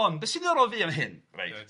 ...ond be sy'n ddiddorol i fi am hyn... Reit.